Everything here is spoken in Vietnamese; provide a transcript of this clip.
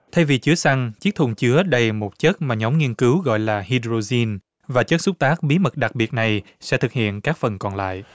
thay vì chứa xăng chiếc thùng chứa đầy một chất mà nhóm nghiên cứu gọi là hi đờ rô rin và chất xúc tác bí mật đặc biệt này sẽ thực hiện các phần còn lại